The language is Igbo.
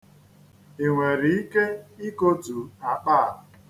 I nwere ike ikotu akpa a?